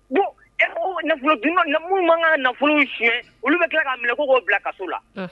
Bon e nafolodunna, mun b'an ka nafolo sonya olu bɛ tila k'a minɛ ko k'o bila kaso la